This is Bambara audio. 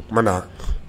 O tumana na